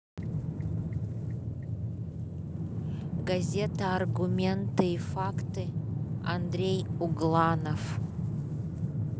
газета аргументы и факты андрей угланов